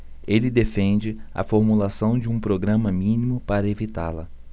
ele defende a formulação de um programa mínimo para evitá-la